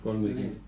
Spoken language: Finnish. kolmekymmentä -